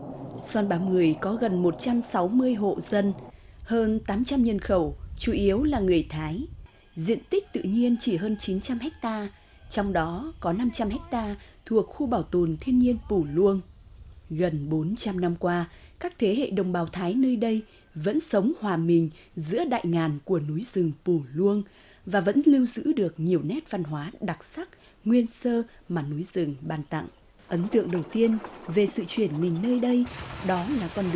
son bá mười có gần một trăm sáu mươi hộ dân hơn tám trăm nhân khẩu chủ yếu là người thái diện tích tự nhiên chỉ hơn chín trăm héc ta trong đó có năm trăm héc ta thuộc khu bảo tồn thiên nhiên pù luông gần bốn trăm năm qua các thế hệ đồng bào thái nơi đây vẫn sống hòa mình giữa đại ngàn của núi rừng pù luông và vẫn lưu giữ được nhiều nét văn hóa đặc sắc nguyên sơ mà núi rừng ban tặng ấn tượng đầu tiên về sự chuyển mình nơi đây đó